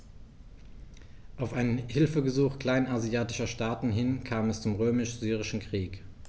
Auf ein Hilfegesuch kleinasiatischer Staaten hin kam es zum Römisch-Syrischen Krieg.